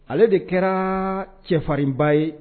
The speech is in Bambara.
Ale de kɛraa cɛfarinba ye